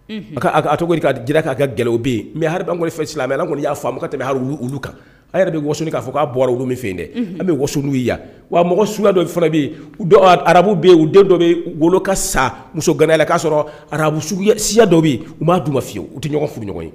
A cogo kaa jira k'a ka gɛlɛn bɛ yen bɛ ha bangekɔfɛ silamɛ ala kɔni y'a faama ka tɛmɛ olu kan a yɛrɛ bɛ wasouni k'a k'a bɔlu min fɛ dɛ an bɛ wasounu yan wa mɔgɔ sunjataya dɔ fana bɛ yen arabu bɛ u do dɔ bɛ wolo ka sa muso la'a sɔrɔ arabuuguya siya dɔ bɛ yen u b'a dun ma fiye u tɛ ɲɔgɔn fu ɲɔgɔn ye